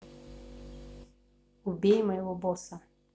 убей моего босса